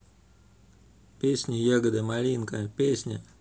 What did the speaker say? песня ягода малинка песня